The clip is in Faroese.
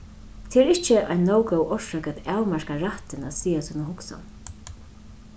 tað er ikki ein nóg góð orsøk at avmarka rættin at siga sína hugsan